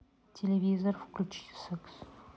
телевизор включи секс